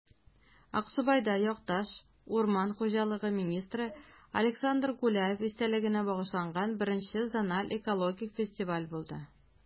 Аксубайда якташ, урман хуҗалыгы министры Александр Гуляев истәлегенә багышланган I зональ экологик фестиваль булды